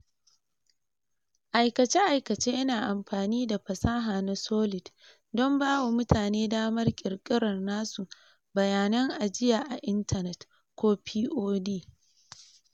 Aikace-aikace yana amfani da fasaha na Solid don bawa mutane damar ƙirƙirar nasu "bayanan ajiya a intanit" ko POD.